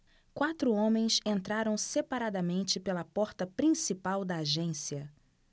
quatro homens entraram separadamente pela porta principal da agência